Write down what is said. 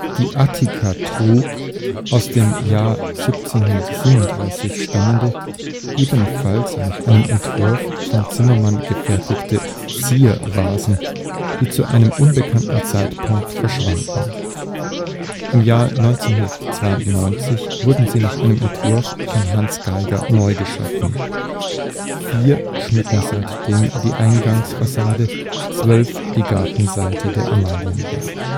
Die Attika trug aus dem Jahr 1737 stammende, ebenfalls nach einem Entwurf von Zimmermann gefertigte, Ziervasen, die zu einem unbekannten Zeitpunkt verschwanden. Im Jahr 1992 wurden sie nach einem Entwurf von Hans Geiger neu geschaffen, vier schmücken seitdem die Eingangsfassade, zwölf die Gartenseite der Amalienburg